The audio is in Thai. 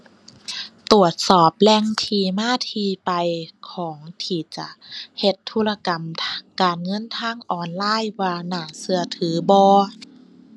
ตรวจสอบแหล่งที่มาที่ไปของที่จะเฮ็ดธุรกรรมทางการเงิน ทางออนไลน์ว่าน่าเชื่อถือบ่